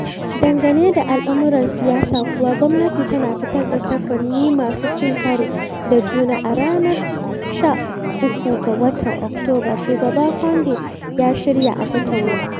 Dangane da al'amuran siyasa kuwa, gwamnati tana fitar da saƙonni masu cin karo da juna: A ranar 13 ga watan Oktoba Shugaba Conde ya shirya a tattauna.